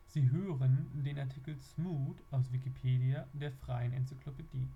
Sie hören den Artikel Smoot, aus Wikipedia, der freien Enzyklopädie